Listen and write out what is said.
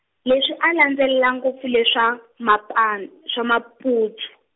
leswi a landzelela ngopfu leswa mapan-, swa maputsu.